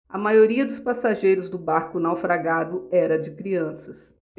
a maioria dos passageiros do barco naufragado era de crianças